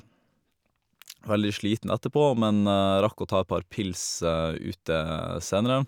Veldig sliten etterpå, men jeg rakk å ta et par pils ute senere.